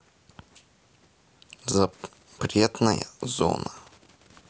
запретная зона две тысячи двадцать